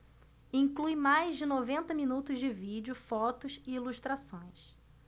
inclui mais de noventa minutos de vídeo fotos e ilustrações